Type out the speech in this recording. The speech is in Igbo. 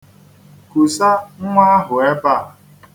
Kusa nnwa ahụ ebe a.